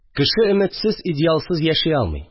Кеше өметсез, идеалсыз яши алмый